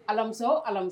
Alamisa o alamisa